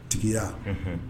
Tigiya